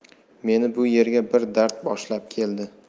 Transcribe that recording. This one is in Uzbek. meni bu yerga bir dard boshlab keldi